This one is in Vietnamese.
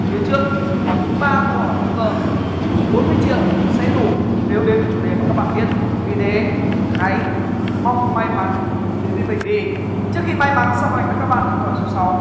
phía trước còn những ba câu hỏi nữa cơ bốn mươi triệu sẽ đủ nếu đến với chủ đề mà các bạn biết vì thế hãy mong may mắn đến với mình đi trước khi may mắn song hành với các bạn ở câu hỏi số sáu